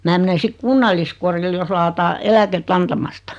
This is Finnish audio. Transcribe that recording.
minä menen sitten kunnalliskodille jos lakataan eläkettä antamasta